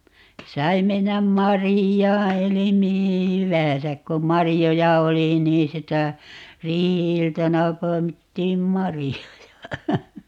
sai mennä marjaan eli mihin hyvänsä kun marjoja oli niin sitä riihi-iltana poimittiin marjoja